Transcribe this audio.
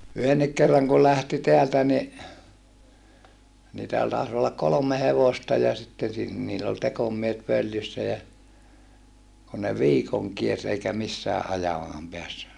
yhdenkin kerran kun lähti täältä niin niitähän taisi olla kolme hevosta ja sitten - niillä oli tekomiehet följyssä ja kun ne viikon kiersi eikä missään ajamaan päässyt